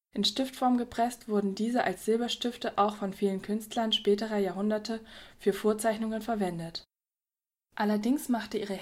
In Stiftform gepresst, wurden diese als Silberstifte auch von vielen Künstlern späterer Jahrhunderte für Vorzeichnungen verwendet. Allerdings machte ihre